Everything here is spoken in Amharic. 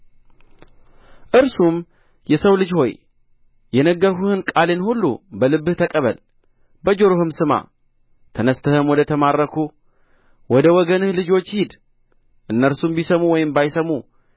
እርሱም የሰው ልጅ ሆይ የነገርሁህን ቃሌን ሁሉ በልብህ ተቀበል በጆሮህም ስማ ተነሥተህም ወደ ተማረኩ ወደ ወገንህ ልጆች ሂድ እነርሱም ቢሰሙ ወይም ባይሰሙ